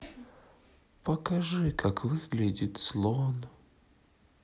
покажи как выглядит слон